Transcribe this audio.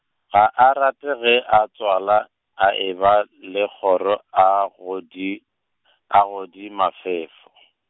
ga a rate ge a tswala, a eba le kgoro a godi , a godi mafefo .